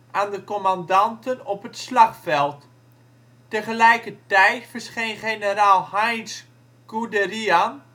aan de commandanten op het slagveld. Tegelijkertijd verscheen generaal Heinz Guderian